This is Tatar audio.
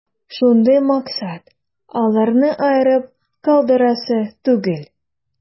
Шундый максат: аларны аерып калдырасы түгел.